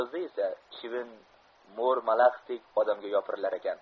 yozda esa chivin mo'r malaxdek odamga yopirilarkan